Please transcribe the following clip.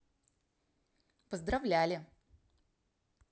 поздравляли